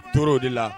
Tor'o de la